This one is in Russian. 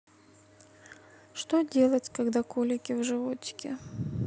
что делать когда колики в животе